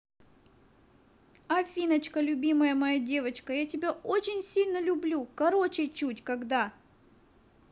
афиночка любимая моя девочка я тебя очень сильно люблю короче чуть когда